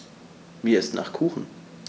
Mir ist nach Kuchen.